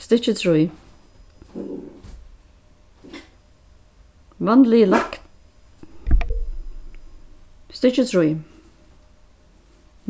stykki trý vanligi stykki trý